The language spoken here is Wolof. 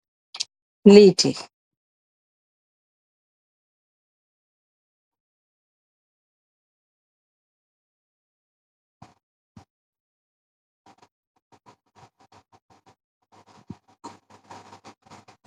Liiti